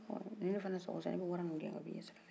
h ni ne fɛnɛ sago sera n bɛ wara in gɛn